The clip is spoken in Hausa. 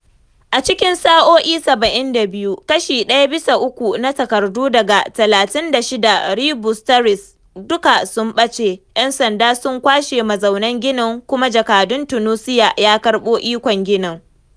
A cikin sa’o’i 72, kashi ɗaya bisa uku na takardu daga 36 rue Botzaris duka sun ɓace, ‘yan sanda sun kwashe mazaunan ginin, kuma jakadan (Tunisia) ya karɓo ikon ginin.